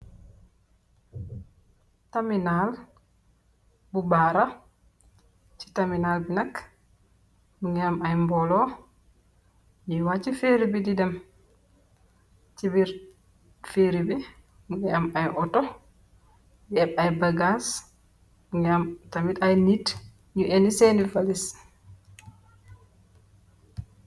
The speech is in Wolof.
Taminal bu Barra, si taminal bi nak mingi am ay mbolo, nyi waca feeri bi di dem, ci biir feeri bi, mingi am ay ooto yu eb ay bagas, mingi am tamit ay nit, ak senni valis